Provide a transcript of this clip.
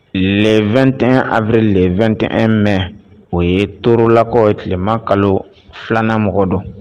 Len2tɛn a bɛ 2tɛn mɛn o ye toro lakɔ ye tileman kalo filanan mɔgɔ don